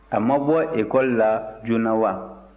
a ma bɔ lakɔli la joona wa